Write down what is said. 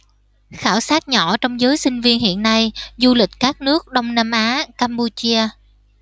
khảo sát nhỏ trong giới sinh viên hiện nay du lịch các nước đông nam á campuchia